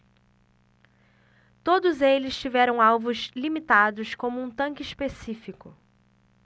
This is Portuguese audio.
todos eles tiveram alvos limitados como um tanque específico